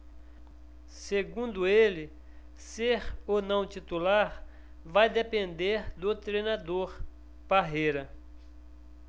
segundo ele ser ou não titular vai depender do treinador parreira